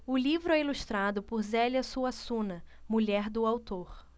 o livro é ilustrado por zélia suassuna mulher do autor